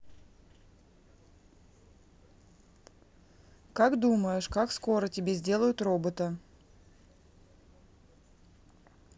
как думаешь как скоро тебе сделают робота